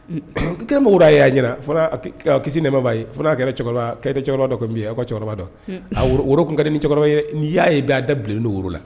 I kiramo a y'a ɲɛna kisi nɛ b'a yea kɛra cɛkɔrɔba dɔ ka cɛkɔrɔba dɔ woro ka ni cɛkɔrɔba ye nii y'a ye b'a da bilen don woro la